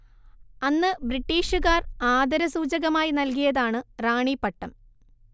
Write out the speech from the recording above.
അന്ന് ബ്രിട്ടീഷ്കാർ ആദരസൂചകമായി നൽകിയതാണ് റാണി പട്ടം